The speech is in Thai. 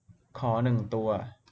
ขอหนึ่งตัว